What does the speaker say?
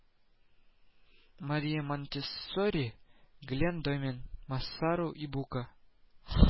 Мария Монтессори, Глен Домен, Массару Ибука һ